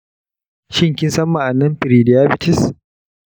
shin kin san ma’anar prediabetes?